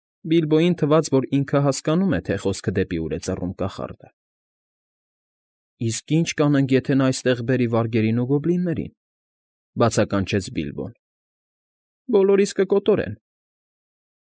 Բիլբոյին թվաց, որ ինքը հասկանում է, թե խոսքը դեպի ուր է ծռում կախարդը։ ֊ Իսկ ի՞նչ կանենք, եթե նա այստեղ բերի վարգերին ու գոբլիններին,֊ բացականչեց Բիլբոն։֊ Բոլորիս կկոտորեն։